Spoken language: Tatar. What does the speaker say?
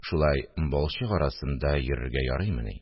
Шулай балчык арасында йөрергә ярыймыни